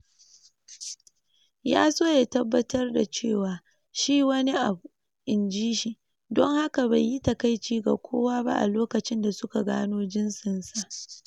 Ya so ya tabbatar da cewa shi "wani abu," in ji shi, don haka bai yi takaici ga kowa ba a lokacin da suka gano jinsin sa.